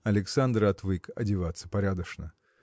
Александр отвык одеваться порядочно.